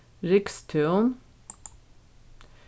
rygstún